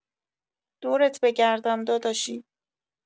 دورت بگردم داداشی